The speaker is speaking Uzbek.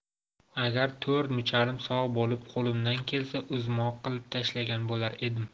agar to'rt muchalim sog' bo'lib qo'limdan kelsa o'zimoq qilib tashlgan bo'lar edim